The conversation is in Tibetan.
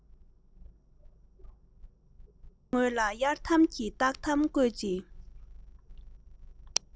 ཤོག དཀར ངོས ལ གཡར དམ གྱི རྟགས ཐམ བཀོད ཅིང